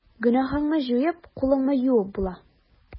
Гөнаһыңны җуеп, кулыңны юып була.